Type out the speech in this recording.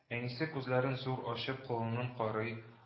Әнисе күзләрен зур ачып колынын карый